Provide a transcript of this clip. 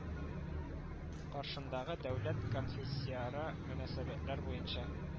Каршындагы дәүләт-конфессияара мөнәсәбәтләр буенча